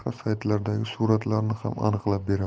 boshqa saytlardagi suratlarni ham aniqlab beradi